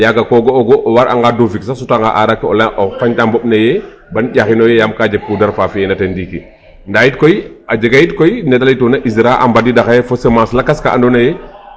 Yaaga ko ga'oogu o waranga duufik sax sutanga aaraa ke o fañta mboƥ ne yee ban ƴaxinooyo yaam ka jeg poudre fa fi'eena teen ndiiki ndaa yit koy a jega yit koy ne da laytuna IZRA a mbadiida xaye fo semence lakas ka andoona yee par rapport ne tew oxe laytuna no changement climantique ke a wara adapter el par rapport a ne nqooxtoogina yaqga bone koy